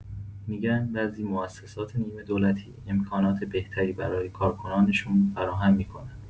می‌گن بعضی موسسات نیمه‌دولتی امکانات بهتری برای کارکنانشون فراهم می‌کنن.